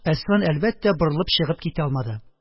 Әсфан, әлбәттә, борылып чыгып китә алмады.